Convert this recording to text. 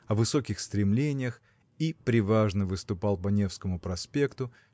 о высоких стремлениях и преважно выступал по Невскому проспекту